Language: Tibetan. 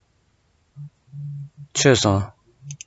མཆོད སོང